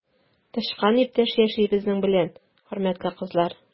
Тычкан иптәш яши безнең белән, хөрмәтле кызлар!